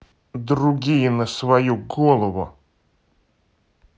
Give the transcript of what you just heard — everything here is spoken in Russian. другие на свою голову